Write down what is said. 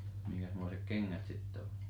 minkäsmoiset kengät sitten oli